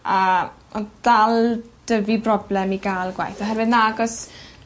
a odd dal 'dy fi broblem i ga'l gwaith oherwydd nag o's